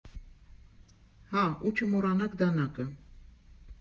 Հա՜, ու չմոռանաք դանակը։